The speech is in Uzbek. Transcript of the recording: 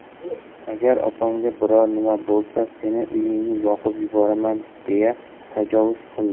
agar opamga biror nima bo'lsa seni uyingni yoqib yuboraman' deya tajovuz qildi